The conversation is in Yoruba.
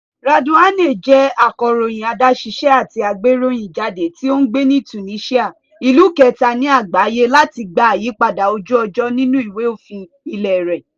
Radhouane jẹ́ akọ̀ròyìn adáṣiṣẹ́ àti agbéròyìnjáde tí ó ń gbé ní Tunisia, ìlú kẹta ní àgbáyé láti gba àyípadà ojú-ọjọ́ nínú Ìwé-òfin ilẹ̀ rẹ̀.